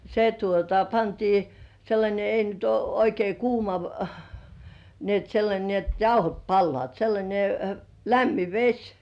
se tuota pantiin sellainen ei nyt ole oikein kuuma niin että sellainen niin että jauhot palavat sellainen lämmin vesi